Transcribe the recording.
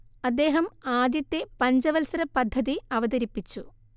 അദ്ദേഹം ആദ്യത്തെ പഞ്ചവത്സര പദ്ധതി അവതരിപ്പിച്ചു